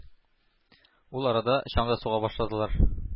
Ул арада чаң да суга башладылар,